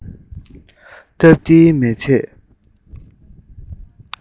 ཉི གློག ཆུང ཆུང དེ ཉི འོད འཕྲོ སར བཞག